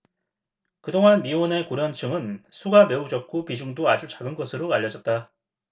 그동안 미혼의 고령층은 수가 매우 적고 비중도 아주 작은 것으로 알려졌다